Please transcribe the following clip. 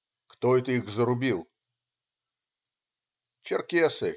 "Кто это их зарубил?"-"Черкесы.